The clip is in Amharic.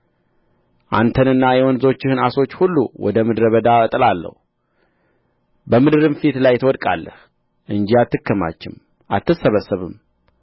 አንተንና የወንዞችህን ዓሦች ሁሉ ወደ ምድረ በዳ እጥላለሁ በምድርም ፊት ላይ ትወድቃለህ እንጂ አትከማችም አትሰበሰብም